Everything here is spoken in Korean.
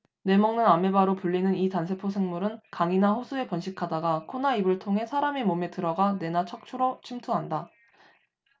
뇌 먹는 아메바로 불리는 이 단세포 생물은 강이나 호수에 번식하다가 코나 입을 통해 사람의 몸에 들어가 뇌나 척추로 침투한다